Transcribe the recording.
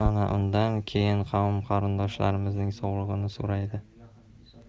ana undan keyin qavm qarindoshlarimizning sog'lig'ini so'raydi